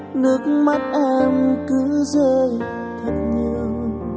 nước mắt em cứ rơi thật nhiều